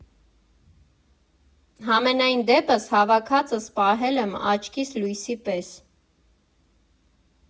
Համենայն դեպս, հավաքածս պահել եմ աչքիս լույսի պես։